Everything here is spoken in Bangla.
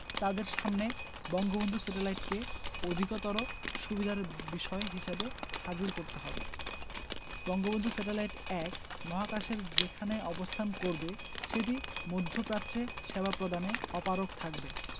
তাদের সামনে বঙ্গবন্ধু স্যাটেলাইটকে অধিকতর সুবিধার বিষয় হিসেবে হাজির করতে হবে বঙ্গবন্ধু স্যাটেলাইট ১ মহাকাশের যেখানে অবস্থান করবে সেটি মধ্যপ্রাচ্যে সেবা প্রদানে অপারগ থাকবে